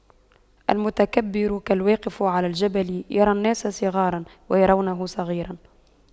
المتكبر كالواقف على الجبل يرى الناس صغاراً ويرونه صغيراً